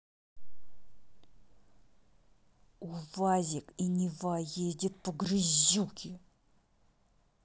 увазик и нива ездит по грязюке